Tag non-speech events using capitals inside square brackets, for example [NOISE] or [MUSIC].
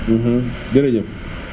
[HESITATION] [HESITATION] jërëjë [NOISE]